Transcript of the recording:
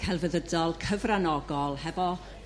celfyddydol cyfranogol hefo